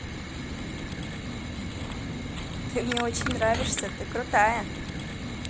ты мне очень нравишься ты крутая